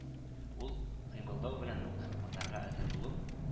Ул, кыймылдау белән үк, атарга әзер булып: